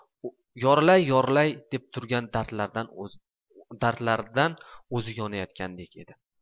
yorilay deb turgan dardlaridan o'zi yonayotgandek edi